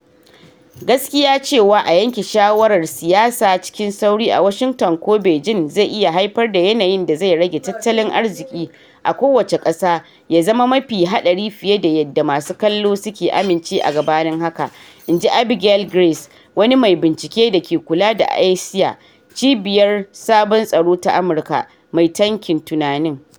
"Gaskiya cewa a yanke shawarar siyasa cikin sauri a Washington ko Beijing zai iya haifar da yanayin da zai rage tattalin arziki a kowace kasa ya zama mafi haɗari fiye da yadda masu kallo suka amince a gabanin haka," in ji Abigail Grace, wani mai bincike da ke kula da Asiya. Cibiyar Sabon Tsaro ta Amurka, mai tankin tunanin.